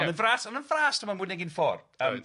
ond yn fras ond yn fras dwi'n meddwl mwy nag un ffor... Reit...